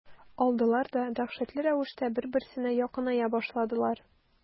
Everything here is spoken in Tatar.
Алдылар да дәһшәтле рәвештә бер-берсенә якыная башладылар.